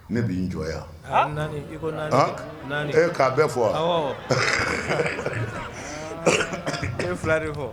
Ne b'i jɔ'a bɛɛ fɔ e fila de fɔ